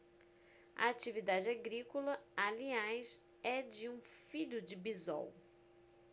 a atividade agrícola aliás é de um filho de bisol